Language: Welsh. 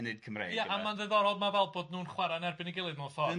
Ia, a ma'n ddiddorol, ma' fel bod nw'n chwarae'n erbyn 'i gilydd mewn ffor ti'bod.